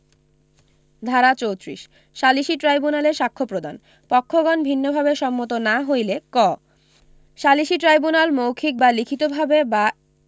ধারা ৩৪ সালিসী ট্রাইব্যুনালে সাক্ষ্য প্রদান পক্ষগণ ভিন্নভাবে সম্মত না হইলে ক সালিসী ট্রাইব্যুনাল মৌখিক বা লিখিতভাবে বা